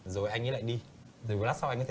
rồi anh ấy lại đi rồi một lát sau anh ấy